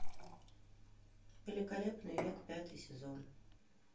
великолепный век пятый сезон